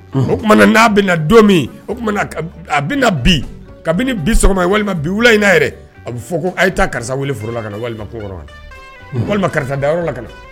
O tuma n'a bɛna na don min o a na bi kabini bi walima bi wula in'a yɛrɛ a bɛ fɔ ko a ye ta karisa weelela ka na walima ko walima karisa dayɔrɔ la ka na